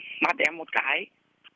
một cái